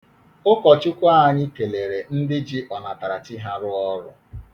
Ụkọchukwu anyị kelere ndị ji ọnatarachi ha rụọ ọrụ ahụ.